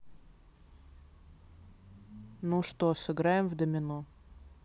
ну что сыграем в домино